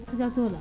Siga t'o la